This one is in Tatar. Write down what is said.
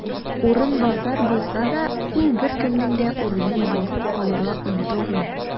"урынбасар" булса да, ул беркемнең дә урынын басып алырга омтылмый.